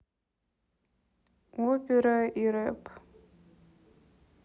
опера и рэп